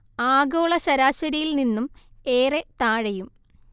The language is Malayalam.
ആഗോള ശരാശരിയിൽ നിന്നും ഏറെ താഴെയും